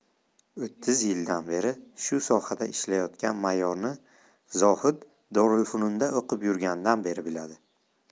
o'ttiz yildan beri shu sohada ishlayotgan mayorni zohid dorilfununda o'qib yurganidan beri biladi